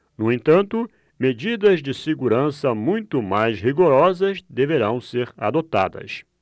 no entanto medidas de segurança muito mais rigorosas deverão ser adotadas